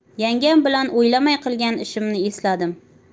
yangam bilan o'ylamay qilgan ishimni esladim